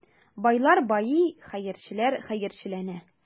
Байлар байый, хәерчеләр хәерчеләнә.